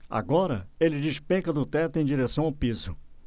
agora ele despenca do teto em direção ao piso